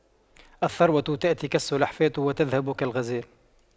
الثروة تأتي كالسلحفاة وتذهب كالغزال